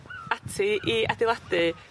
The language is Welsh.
ati i adeiladu